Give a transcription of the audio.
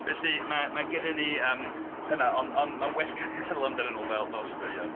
Felly ma- mae gennym ni yym hynna, ond... ond mae'n well cael meddwl amdanyn nhw fel fel straeon.